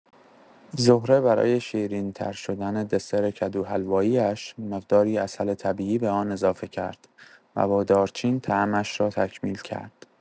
زهره برای شیرین‌تر شدن دسر کدوحلوایی‌اش، مقداری عسل طبیعی به آن اضافه کرد و با دارچین طعمش را تکمیل کرد.